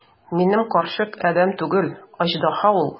Минем карчык адәм түгел, аждаһа ул!